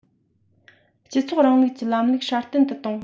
སྤྱི ཚོགས རིང ལུགས ཀྱི ལམ ལུགས སྲ བརྟན དུ གཏོང